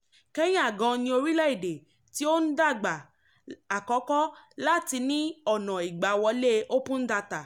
Kenya gan ni orílẹ̀-èdè tí-ó-ń-dàgbà àkọ́kọ́ láti ní ọ̀nà ìgbàwọlé Open Data.